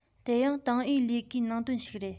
དེ ཡང ཏང ཨུའི ལས ཀའི ནང དོན ཞིག རེད